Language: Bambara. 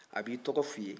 a b'i tɔgɔ f'i ye